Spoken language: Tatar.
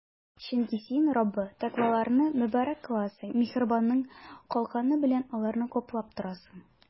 Чөнки Син, Раббы, тәкъваларны мөбарәк кыласың, миһербаның калканы белән аларны каплап торасың.